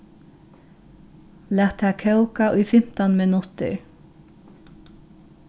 lat tað kóka í fimtan minuttir